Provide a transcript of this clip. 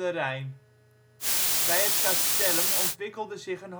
Rijn.) Bij het castellum ontwikkelde zich een